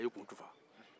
a y'i kun tufan